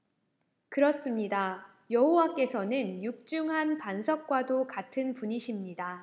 그렇습니다 여호와께서는 육중한 반석과도 같은 분이십니다